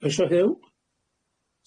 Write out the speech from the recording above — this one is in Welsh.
Eisio Huw?